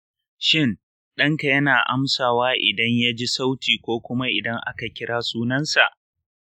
shin ɗanka yana amsawa idan ya ji sauti ko kuma idan aka kira sunansa?